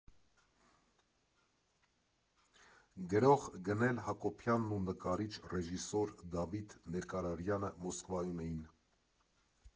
Գրող Գնել Հակոբյանն ու նկարիչ, ռեժիսոր Դավիթ Ներկարարյանը Մոսկվայում էին։